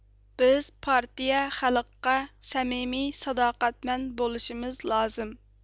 بىز پارتىيە خەلققە سەمىمىي ساداقەتمەن بولۇشىمىز لازىم